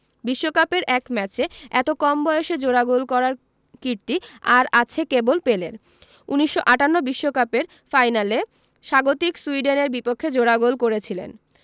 বিশ্বকাপের এক ম্যাচে এত কম বয়সে জোড়া গোল করার কীর্তি আর আছে কেবল পেলের ১৯৫৮ বিশ্বকাপের ফাইনালে স্বাগতিক সুইডেনের বিপক্ষে জোড়া গোল করেছিলেন